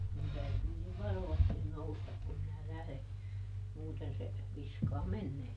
minun täytyy nyt varovasti nousta kun minä lähden muuten se viskaa menemään